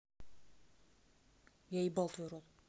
я ебал твой рот